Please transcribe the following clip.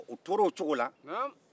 u tora o cogo la